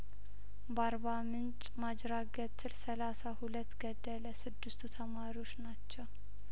በአርባ ምንጭ ማጅራት ገትር ሰላሳ ሁለት ገደለ ስድስቱ ተማሪዎች ናቸው